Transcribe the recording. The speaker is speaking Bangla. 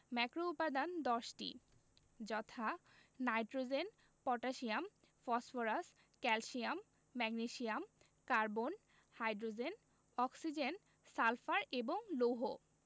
ম্যাক্রোউপাদান ১০ টি যথা nitrogen potassium phosphorus calcium magnesium carbon hydrogen oxygen sulphur এবং লৌহ